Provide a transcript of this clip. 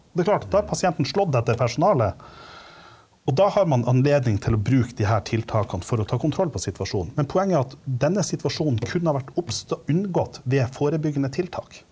det er klart, da har pasienten slått etter personalet, og da har man anledning til å bruke de her tiltakene for å ta kontroll på situasjonen, men poenget er at denne situasjonen kunne ha vært unngått ved forebyggende tiltak.